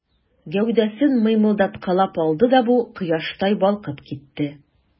Гәүдәсен мыймылдаткалап алды да бу, кояштай балкып китте.